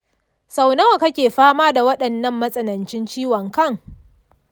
sau nawa kake fama da waɗannan matsanancin ciwon kan?